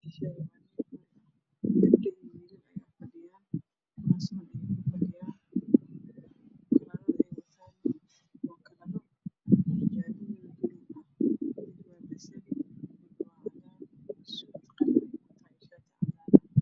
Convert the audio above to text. Meeshaan gabdho iyo wiilal ayaa fadhiyaan kuraasman ayay kufadhiyaan kalarada ay wataan waa xijaab basaliya midna waa cadaan. Suud qalin ah.